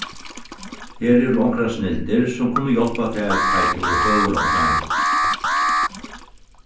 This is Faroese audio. her eru onkrar snildir sum kunnu hjálpa tær tá ið tú høvuðroknar